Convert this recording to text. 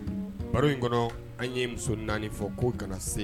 Baro in kɔnɔ an ye muso naani fɔ ko kana se